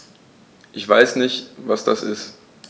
Ich weiß nicht, was das ist.